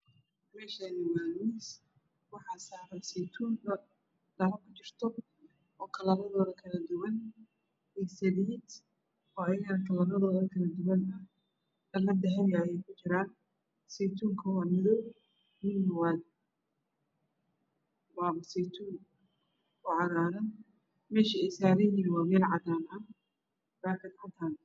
Meshani waa miis waxaa saran seytuun dhalo ku jirto oo kala radoodu kala duwan iyo salaiid dhalo ku jira oo kalaradoodu kala duwan sey tunku waa madoow waaba seytuun oo cagaran meshy saran yihiin waa meel cadan ah